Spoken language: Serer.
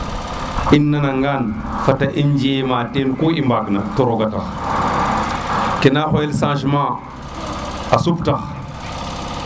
i nana ngaan fat i njema teen ke i mbaag na te roga tex kena xoyel changement a sup tax